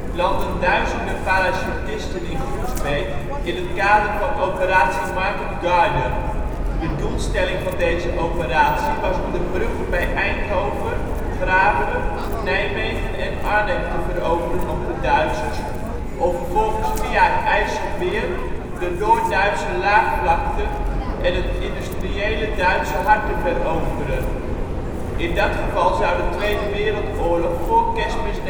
landden duizenden parachutisten in Groesbeek in het kader van Operatie Market Garden. De doelstelling van deze operatie was om de bruggen bij Eindhoven, Grave, Nijmegen en Arnhem te veroveren op de Duitsers om vervolgens via het IJsselmeer de Noord-Duitse laagvlakte en het industriële Duitse hart te veroveren. In dat geval zou de Tweede Wereldoorlog voor Kerstmis